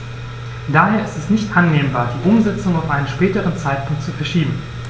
Daher ist es nicht annehmbar, die Umsetzung auf einen späteren Zeitpunkt zu verschieben.